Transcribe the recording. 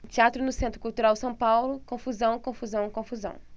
teatro no centro cultural são paulo confusão confusão confusão